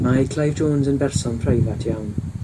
Mae Clive Jones yn berson preifat iawn,